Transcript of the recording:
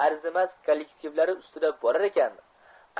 arzimas kollektivlari ustida borarkan